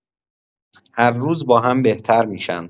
هر روز با هم بهتر می‌شن